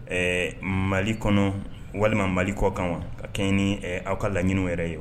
Ɛɛ mali kɔnɔ walima mali kɔkan ka kɛ ni aw ka laɲini yɛrɛ ye